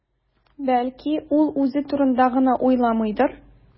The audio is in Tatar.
Бәлки, ул үзе турында гына уйламыйдыр?